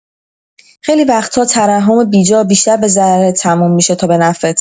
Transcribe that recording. خیلی وقتا ترحم بیجا بیشتر به ضررت تموم می‌شه تا به نفعت.